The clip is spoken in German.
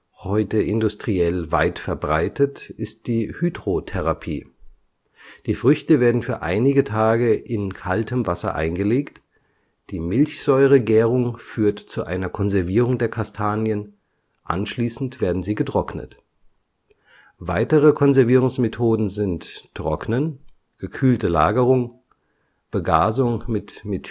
Heute industriell weit verbreitet ist die Hydrotherapie: die Früchte werden für einige Tage in kaltem Wasser eingelegt, die Milchsäuregärung führt zu einer Konservierung der Kastanien, anschließend werden sie getrocknet. Weitere Konservierungsmethoden sind Trocknen, gekühlte Lagerung, Begasung mit Methylbromid